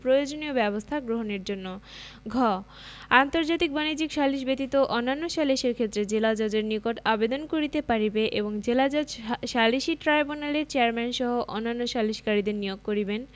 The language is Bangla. প্রয়োজনীয় ব্যবস্থা গ্রহণের জন্য ঘ আন্তর্জাতিক বাণিজ্যিক সালিস ব্যতীত অন্যান্য সালিসের ক্ষেত্রে জেলাজজের নিকট আবেদন করিতে পারিবে এবং জেলাজজ সালিসী ট্রাইব্যুনালের চেয়ারম্যানসহ অন্যান্য সালিসকারীদের নিয়োগ করিবেন